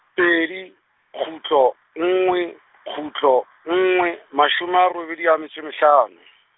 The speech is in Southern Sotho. pedi, kgutlo, nngwe , kgutlo, nngwe, mashome a robedi a metso e mehlano.